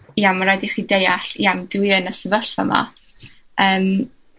ia ma' raid i chi deall, iawn dwi yn y sefyllfa 'ma yym.